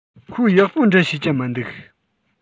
ཁོས ཡག པོ འབྲི ཤེས ཀྱི མི འདུག